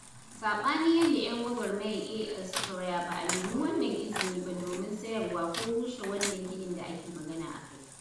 Saɓanin yadda 'yan gwagwarmayar AL suka raya, ba a nemi irin wannan izinin ba domin sayarwa ko rushe wannan ginin da ake magana a kai.